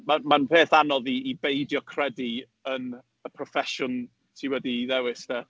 Ma ma'n peth anodd i i beidio credu yn y proffesiwn ti wedi ei ddewis de. Ond yy, either way